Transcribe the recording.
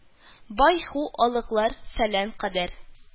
Бай ху алыклар фәлән кадәр